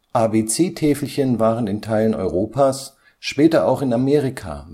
ABC-Täfelchen waren in Teilen Europas, später auch in Amerika